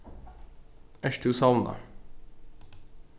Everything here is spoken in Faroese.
ert tú sovnað